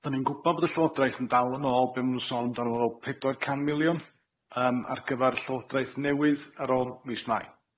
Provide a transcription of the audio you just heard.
Deni'n i'n gwbod bod y llywodreth yn dal yn ôl be' ma' nw'n sôn amdano fo pedwar can miliwn yym ar gyfar llywodreth newydd ar ôl mis Mai.